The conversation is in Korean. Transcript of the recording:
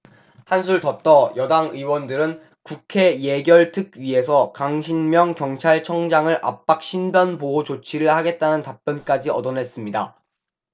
한술 더 떠 여당 의원들은 국회 예결특위에서 강신명 경찰청장을 압박 신변보호 조치를 하겠다는 답변까지 얻어냈습니다